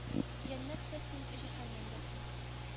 Җәннәт тә син җәһәннәм дә син